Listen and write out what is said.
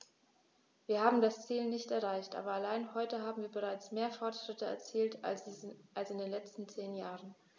Wir haben das Ziel nicht erreicht, aber allein heute haben wir bereits mehr Fortschritte erzielt als in den letzten zehn Jahren.